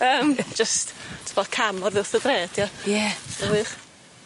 Yym jyst t'bo' cam oddi wrth y dre 'di o? Ie. Ma' wych.